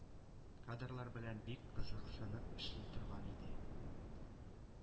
Кадрлар белән бик кызыксынып эшли торган иде.